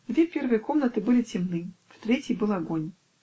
Две первые комнаты были темны, в третьей был огонь.